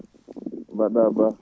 mbaɗɗa Ba